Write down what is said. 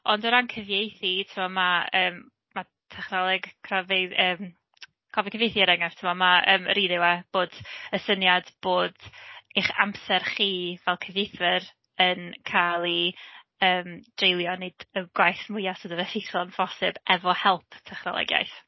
ond o ran cyfieithu tibod ma' yym ma' technoleg cronfeydd yym cofion cyfieithu ar enghraifft timod ma' yym yr un yw e bod y syniad bod eich amser chi fel cyfeithwyr yn cael ei yym dreulio ynw neud y gwaith mwya sort of effeithlon phosib efo help technoleg iaith.